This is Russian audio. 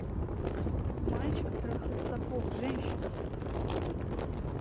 мальчик трахает сапог женщина